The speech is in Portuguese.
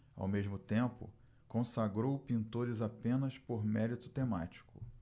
ao mesmo tempo consagrou pintores apenas por mérito temático